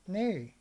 niin